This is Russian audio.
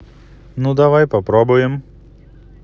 да давай попробуем